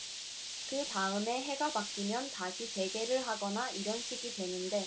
그 다음에 해가 바뀌면 다시 재개를 하거나 이런 식이 되는데